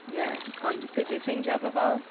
Ie ond be dwi'n ffeindio efo fel...